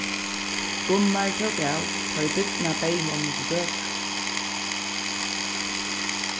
gunnar tók av tá ið birna beyð honum til døgurða